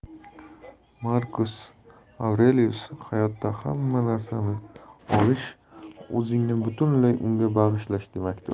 markus avrelius hayotdan hamma narsani olish o'zingizni butunlay unga bag'ishlash demakdir